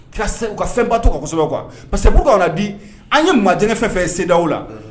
Ka fɛn ba to kasɛbɛ kuwa parceuru la di an ye maa jgɛ fɛ seda la